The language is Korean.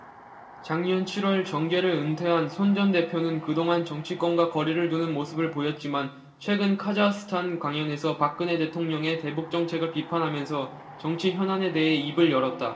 작년 칠 월 정계를 은퇴한 손 전 대표는 그동안 정치권과 거리를 두는 모습을 보였지만 최근 카자흐스탄 강연에서 박근혜 대통령의 대북정책을 비판하면서 정치현안에 대해 입을 열었다